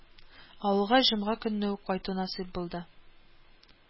Авылга җомга көнне үк кайту насыйп булды